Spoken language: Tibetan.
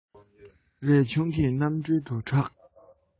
རས ཆུང གི རྣམ སྤྲུལ དུ གྲགས